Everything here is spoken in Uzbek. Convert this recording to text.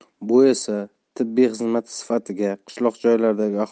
bu esa tibbiy xizmat sifatiga qishloq joylardagi